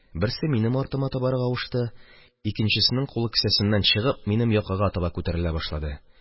Берсе минем артыма табарак авышты, икенчесенең кулы, кесәсеннән чыгып, минем якага таба күтәрелә башлады